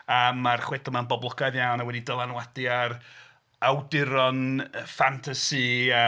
A mae'r chwedlau 'ma'n boblogaidd iawn a wedi dylanwadu ar awduron ffantasi...